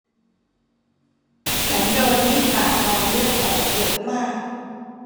ฉันโดนมีดบาดมาเลือดออกเยอะมาก